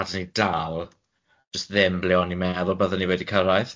a 'dan ni dal jys ddim ble o'n i'n meddwl bydden ni wedi cyrraedd.